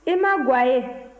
i ma ga ye